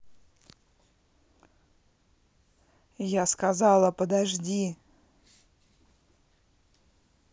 я сказала подожди